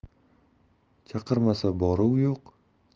chaqirmasa boruv yo'q